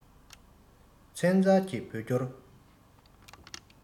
ཚན རྩལ གྱི བོད སྐྱོར